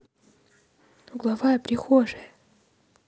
угловая прихожая